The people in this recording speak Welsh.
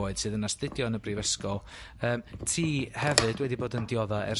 oed sydd yn astudio yn y brifysgol yym ti hefyd wedi bod yn diodde ers